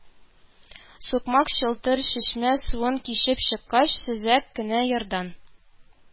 Сукмак, челтер чишмә суын кичеп чыккач, сөзәк кенә ярдан